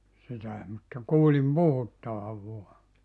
sitäkin mutta kuulin puhuttavan vain